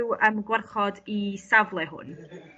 gwarchod y safle hwn?